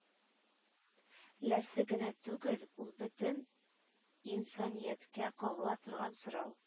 Ләсе генә түгел, ул бөтен инсанияткә кагыла торган сорау